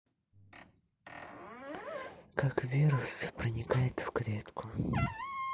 как вирус проникает в клетку